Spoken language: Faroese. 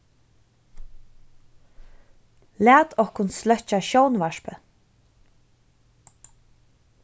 lat okkum sløkkja sjónvarpið